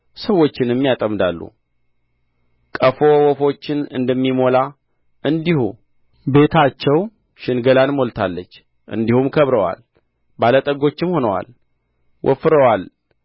ሰዎችንም ያጠምዳሉ ቀፎ ወፎችን እንደሚሞላ እንዲሁ ቤታቸው ሽንገላን ሞልታለች እንዲሁም ከብረዋል ባለ ጠጎችም ሆነዋል ወፍረዋል